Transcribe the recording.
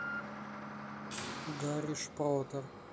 гарри шпроттер